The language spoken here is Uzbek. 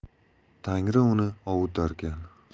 tangri uni ovutarkan